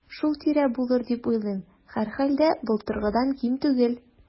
Шул тирә булыр дип уйлыйм, һәрхәлдә, былтыргыдан ким түгел.